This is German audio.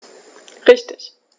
Richtig